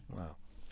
waaw